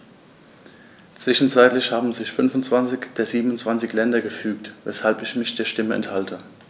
Zwischenzeitlich haben sich 25 der 27 Länder gefügt, weshalb ich mich der Stimme enthalte.